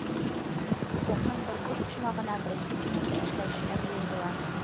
Цехның бер буш почмагына беренче сменада эшләүчеләр җыелдылар